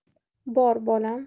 bor bolam